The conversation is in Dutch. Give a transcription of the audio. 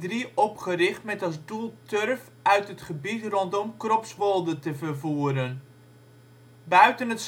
1403 opgericht met als doel turf uit het gebied rondom Kropswolde te vervoeren. Buiten